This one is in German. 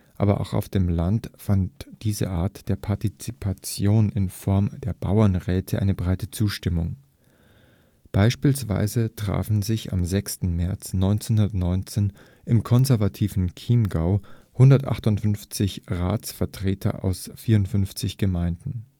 Aber auch auf dem Land fand diese Art der Partizipation in Form der Bauernräte eine breite Zustimmung. Beispielsweise trafen sich am 6. März 1919 im konservativen Chiemgau 158 Rätevertreter aus 54 Gemeinden